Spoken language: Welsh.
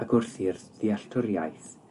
ac wrth i'r ddealltwriaeth